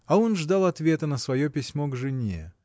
А он ждал ответа на свое письмо к жене.